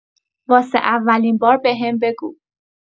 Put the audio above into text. واسه اولین بار بهم بگو